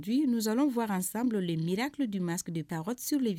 San fɔ ka san mi kulo de ma de ta